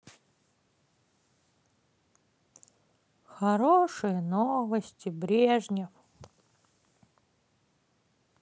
хорошие новости брежнев